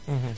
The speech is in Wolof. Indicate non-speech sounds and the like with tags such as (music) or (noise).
(hesitation) (hesitation)